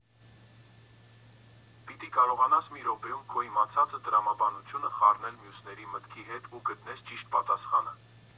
Պիտի կարողանաս մի րոպեում քո իմացածը և տրամաբանությունը խառնել մյուսների մտքի հետ ու գտնես ճիշտ պատասխանը։